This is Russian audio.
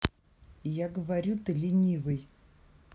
я говорю ты ленивый